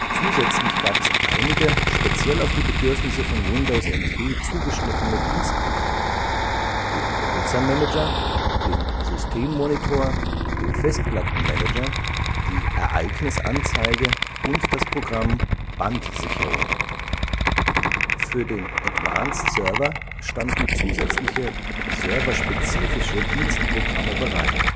Zusätzlich gab es einige speziell auf die Bedürfnisse von Windows NT zugeschnittene Dienstprogramme: den Benutzer-Manager, den Systemmonitor, den Festplatten-Manager, die Ereignisanzeige und das Programm Bandsicherung. Für den Advanced Server standen zusätzliche serverspezifische Dienstprogramme bereit